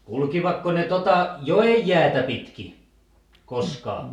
kulkivatko ne tuota joen jäätä pitkin koskaan